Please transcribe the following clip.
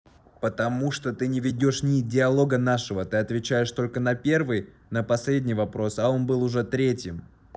потому что ты не ведешь нить диалога нашего ты отвечаешь только на первый на последний вопрос а он был уже третьим